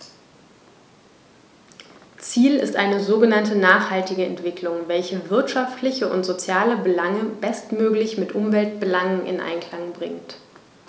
Ziel ist eine sogenannte nachhaltige Entwicklung, welche wirtschaftliche und soziale Belange bestmöglich mit Umweltbelangen in Einklang bringt.